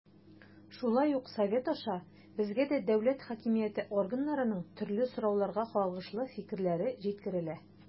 Шулай ук Совет аша безгә дә дәүләт хакимияте органнарының төрле сорауларга кагылышлы фикерләре җиткерелә.